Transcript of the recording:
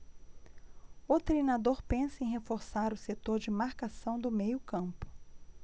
o treinador pensa em reforçar o setor de marcação do meio campo